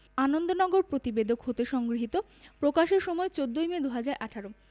আনন্দনগর প্রতিবেদক হতে সংগৃহীত প্রকাশের সময় ১৪ মে ২০১৮